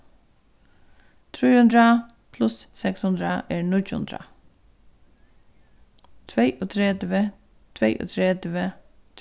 trý hundrað pluss seks hundrað er níggju hundrað tveyogtretivu tveyogtretivu